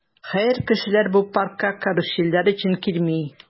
Хәер, кешеләр бу паркка карусельләр өчен килми.